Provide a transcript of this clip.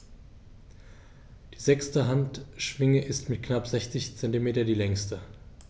Die sechste Handschwinge ist mit knapp 60 cm die längste.